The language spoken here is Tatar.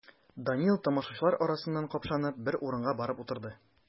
Данил, тамашачылар арасыннан капшанып, бер урынга барып утырды.